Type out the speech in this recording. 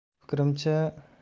mening fikrimcha